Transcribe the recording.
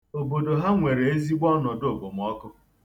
Obodo ha nwere ezigbo ọnọ̀dụòkpòmọkụ.